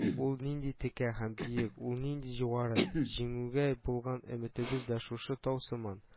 — ул нинди текә һәм биек, ул нинди югары... җиңүгә булган өметебез дә шушы тау сыман